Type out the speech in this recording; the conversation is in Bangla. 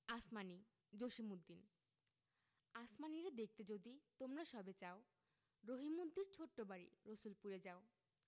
আসমানী জসিমউদ্দিন আসমানীরে দেখতে যদি তোমরা সবে চাও রহিমদ্দির ছোট্ট বাড়ি রসুলপুরে যাও